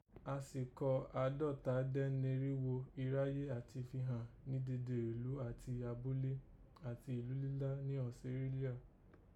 A sì kọ́ àádọ́ta dẹ́n nerínghó iráyé àti fi hàn ni dede ìlú àti abúlé àti ìlú lílá ni Ọsirélíà